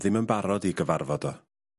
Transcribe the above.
...ddim yn barod i gyfarfod o